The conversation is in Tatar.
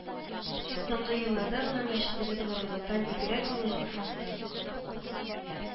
Соңгы елларда гына мәчетебез горурлыктан бигрәк күңел хафасына